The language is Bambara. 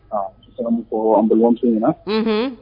Aa an bɛ se ka min fɔ an balimamuso ɲɛna Unhun